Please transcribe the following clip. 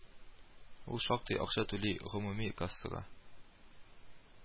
Ул шактый акча түли гомуми кассага